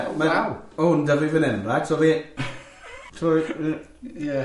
O' hwn da fi fan hyn reit, so fi timod yy ie.